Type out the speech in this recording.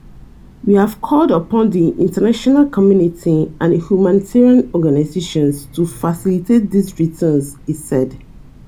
"We have called upon the international community and humanitarian organizations to facilitate these returns," he said.